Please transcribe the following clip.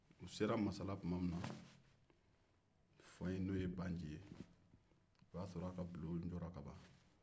u sela masala tuma min na a fa in ni o ye ba nci ye a sɔrɔ a ka bulon tun jɔra ka ban